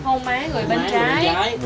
hôn má người bên trái